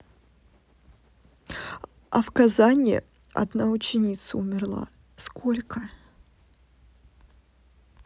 а в казани одна ученица умерла сколько